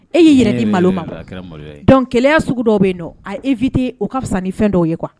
E y'i yɛrɛ di malo ma dɔn kelenya sugu dɔ bɛ yen don a yee vite o ka fisa ni fɛn dɔw ye kuwa